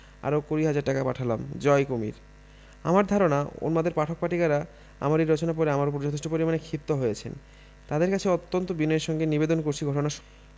আরো কুড়ি হাজার টাকা পাঠালাম জয় কুমীর আমার ধারণা উন্মাদের পাঠক পাঠিকার আমার এই রচনা পড়ে আমার উপর যথেষ্ট পরিমাণে ক্ষিপ্ত হয়েছেন তাঁদের কাছে অত্যন্ত বিনয়ের সঙ্গে নিবেদন করছি ঘটনা